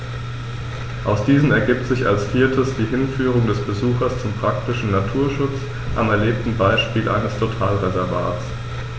Aus diesen ergibt sich als viertes die Hinführung des Besuchers zum praktischen Naturschutz am erlebten Beispiel eines Totalreservats.